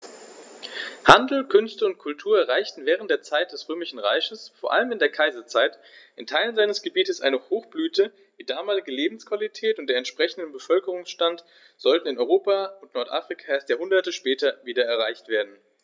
Handel, Künste und Kultur erreichten während der Zeit des Römischen Reiches, vor allem in der Kaiserzeit, in Teilen seines Gebietes eine Hochblüte, die damalige Lebensqualität und der entsprechende Bevölkerungsstand sollten in Europa und Nordafrika erst Jahrhunderte später wieder erreicht werden.